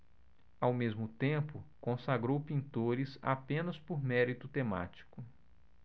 ao mesmo tempo consagrou pintores apenas por mérito temático